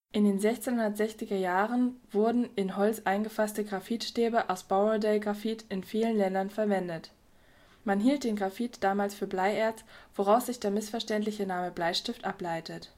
1660er Jahren wurden in Holz eingefasste Graphitstäbe aus Borrowdale-Graphit in vielen Ländern verwendet. Man hielt den Graphit damals für Bleierz, woraus sich der missverständliche Name Bleistift ableitet